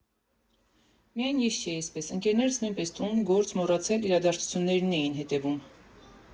Միայն ես չէի էսպես, ընկերներս նույնպես տուն֊գործ մոռացել, իրադարձություններին էին հետևում։